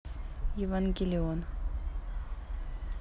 евангелион